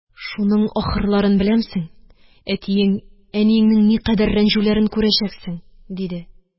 Шуның ахырларын беләмсең, әтиең, әниеңнең никадәр рәнҗүләрен күрәчәксең? – диде.